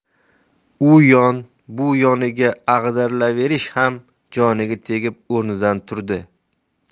u yon bu yoniga ag'darilaverish ham joniga tegib o'rnidan turdi